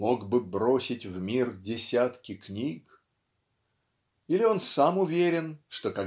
мог бы бросить в мир десятки книг"? Или он сам уверен что